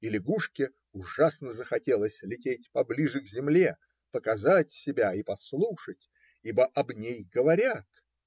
И лягушке ужасно захотелось лететь поближе к земле, показать себя и послушать, что об ней говорят.